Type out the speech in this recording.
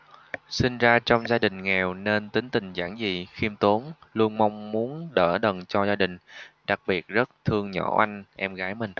sinh ra trong gia đình nghèo nên tính tình giản dị khiêm tốn luôn mong muốn đỡ đần cho gia đình đặc biệt rất thương nhỏ oanh em gái mình